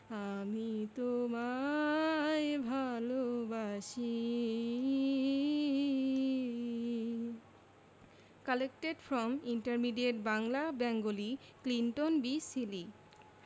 আমি তোমায় ভালবাসি collected from intermediate Bangla Bengali Clinton be Seely